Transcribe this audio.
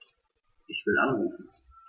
Ich will anrufen.